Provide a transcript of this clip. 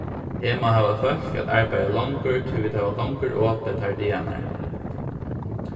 eg má hava fólk at arbeiða longur tí vit hava longur opið teir dagarnar